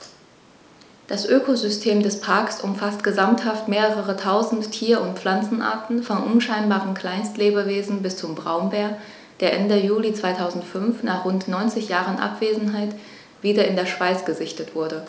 Das Ökosystem des Parks umfasst gesamthaft mehrere tausend Tier- und Pflanzenarten, von unscheinbaren Kleinstlebewesen bis zum Braunbär, der Ende Juli 2005, nach rund 90 Jahren Abwesenheit, wieder in der Schweiz gesichtet wurde.